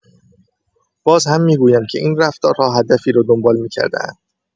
باز هم می‌گویم که این رفتارها هدفی را دنبال می‌کرده‌اند.